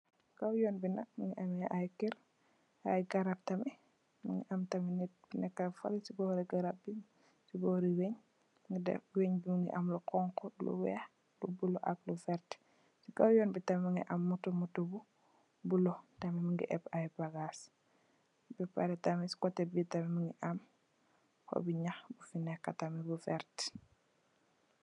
Kaw yoon be nak muge ameh aye kerr aye garab tamin muge am tamin neet bu neka se bore garab be se bore weah muge def weah be muge ameh lu xonxo lu weex lu bulo ak lu verte se kaw yoon be tam muge am motor motor bu bulo tamin muge eb aye bagass ba pareh tamin se koteh be tamin muge am hobe naax bufa neka tamin bu verte.